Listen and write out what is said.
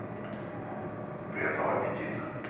приятного аппетита